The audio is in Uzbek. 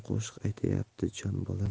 qo'shiq aytyapti jon bolam